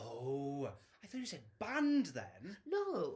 Oh, I thought you said band then. ...No.